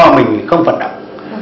mình không vận động